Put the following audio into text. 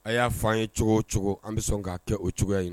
A y'a fan ye cogo o cogo an bɛ sɔn ka'a kɛ o cogoya in